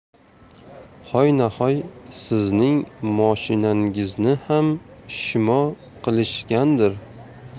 hoynahoy sizning moshinangizni ham shimo qilishgandir